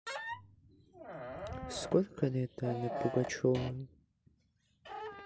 сколько лет алле пугачевой